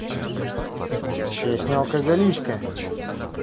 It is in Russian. песня алкоголичка